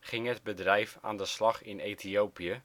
ging het bedrijf aan de slag in Ethiopië